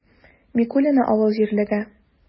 Микулино авыл җирлеге